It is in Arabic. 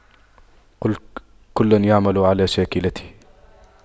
قُل كُلٌّ يَعمَلُ عَلَى شَاكِلَتِهِ